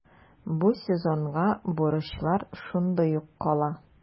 Бу сезонга бурычлар шундый ук кала.